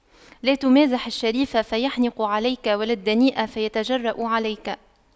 لا تمازح الشريف فيحنق عليك ولا الدنيء فيتجرأ عليك